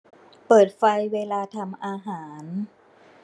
เปิดไฟเวลาทำอาหาร